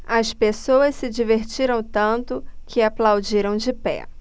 as pessoas se divertiram tanto que aplaudiram de pé